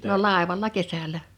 no laivalla kesällä